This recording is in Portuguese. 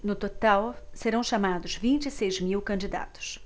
no total serão chamados vinte e seis mil candidatos